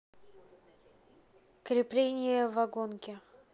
крепление вагонки